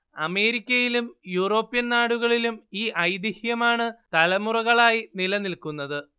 അമേരിക്കയിലും യൂറോപ്യൻ നാടുകളിലും ഈ ഐതിഹ്യമാണ് തലമുറകളായി നിലനിൽക്കുന്നത്